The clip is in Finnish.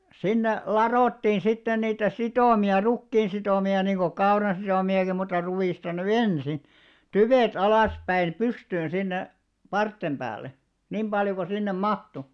sinne ladottiin sitten niitä sitomia rukiin sitomia niin kuin kauran sitomiakin mutta ruista nyt ensin tyvet alaspäin pystyyn sinne parsien päälle niin paljon kuin sinne mahtui